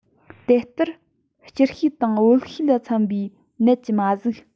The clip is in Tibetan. དེ ལྟར སྐྱུར གཤིས དང བུལ གཤིས ལ འཚམ པའི ནད ཀྱི མ གཟུགས